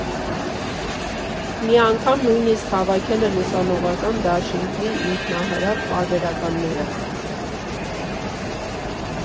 Մի անգամ նույնիսկ հավաքել են ուսանողական դաշինքի ինքնահրատ պարբերականները։